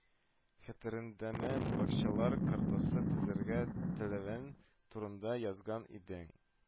Хәтереңдәме, бакчалар картасы төзергә теләвең турында язган идең